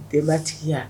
Bɛɛbatigiya